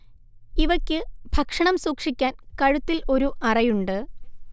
ഇവയ്ക്ക് ഭക്ഷണം സൂക്ഷിക്കാൻ കഴുത്തിൽ ഒരു അറയുണ്ട്